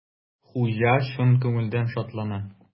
Хуҗа чын күңелдән шатлана.